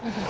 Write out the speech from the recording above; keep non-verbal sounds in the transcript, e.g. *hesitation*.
*hesitation* *hesitation*